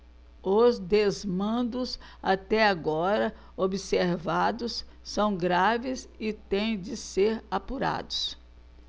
os desmandos até agora observados são graves e têm de ser apurados